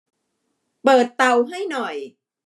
เปิดเตาให้หน่อย